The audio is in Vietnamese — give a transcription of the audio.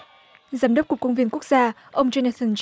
giám đốc của công viên quốc gia ông rơ ne rừn